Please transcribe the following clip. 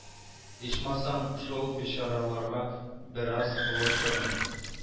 Ичмасам шул бичараларга бераз булышырмын